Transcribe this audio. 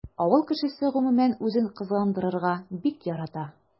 Авыл кешесе гомумән үзен кызгандырырга бик ярата.